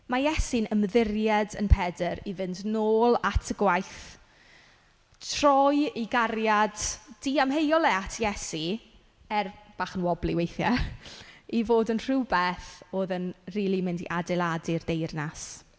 Mae Iesu'n ymddiried yn Pedr i fynd yn ôl at y gwaith troi ei gariad diamheuol e at Iesu, er bach yn wobbly weithiau i fod yn rhywbeth oedd yn rili mynd i adeiladu'r deyrnas.